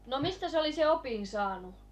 no mistä se oli sen opin saanut